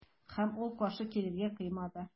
Һәм ул каршы килергә кыймады.